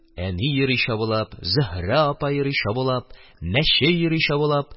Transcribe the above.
Әни йөри чабулап, Зөһрә апа йөри чабулап, мәче йөри чабулап.